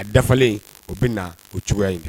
A dafalen o bɛ na na o cogoya in na